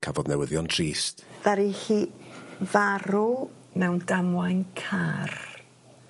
cafodd newyddion trist. Ddaru hi farw mewn damwain car.